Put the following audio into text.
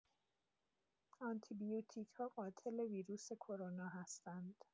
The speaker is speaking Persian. آنتی‌بیوتیک‌ها قاتل ویروس کرونا هستند.